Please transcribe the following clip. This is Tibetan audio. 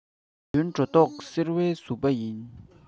བདེན དོན སྒྲོ འདོག སེལ བའི གཟུ པ ཡིན